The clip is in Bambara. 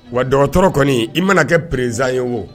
Wa dɔgɔtɔrɔ kɔni i mana kɛ perezsan ye wo